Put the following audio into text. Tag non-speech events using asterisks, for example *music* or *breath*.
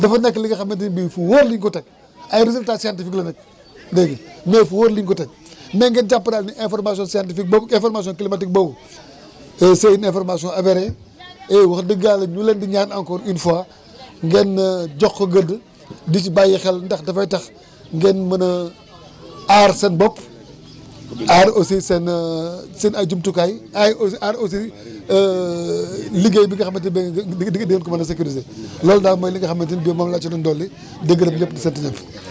dafa nekk li nga xamante ni bi fu wóor la ñu ko teg ay résultas scientifiques la nag dégg nga mais fu wóor la ñu ko teg *breath* mais ngeen jàpp daal ni information scientique boobu information climatique boobu *crosstalk* *hesitation* c' est une information avérée *crosstalk* et wax dëgg yàlla ñu leen di ñaan encore une fois ngeen *hesitation* jox ko gëdd di ci bàyyi xel ndax dafay tax ngeen mën a aar seen bopp *crosstalk* aar aussi seen *hesitation* seen ay jumtukaay aay aussi aar aussi *crosstalk* *hesitation* liggéey bi nga xamante ni bi di di ngeen ko mën a sécuriser loolu daal mooy li nga xamante ne bi moom laa ci doon dolli *breath* di gërëm ñëpp di sant ñëpp *crosstalk*